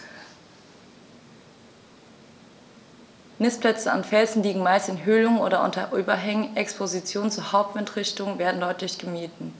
Nistplätze an Felsen liegen meist in Höhlungen oder unter Überhängen, Expositionen zur Hauptwindrichtung werden deutlich gemieden.